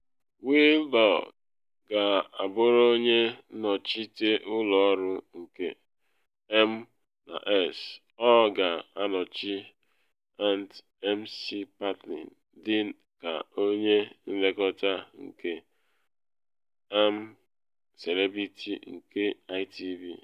Willoughby ga-abụrụ onye nnọchite ụlọ ọrụ nke M&S, ọ ga-anọchi Ant McPartlin dị ka onye nlekọta nke I’m A Celebrity nke ITV.